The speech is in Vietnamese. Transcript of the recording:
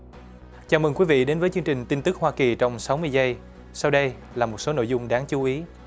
chào mừng quý vị đến với chương trình tin tức hoa kỳ trong sáu mươi giây sau đây là một số nội dung đáng chú ý